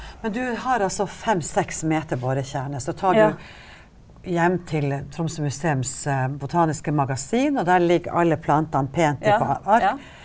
du har altså fem seks meter borekjerner så tar du hjem til Tromsø museums botaniske magasin og der ligger alle plantene pent i på ark.